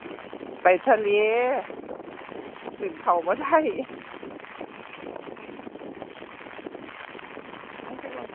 ไปทะเล ขึ้นเขาบ่ได้ มันคือบ่